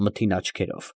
Մթին աչքերով։